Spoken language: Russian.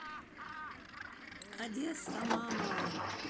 одесса мама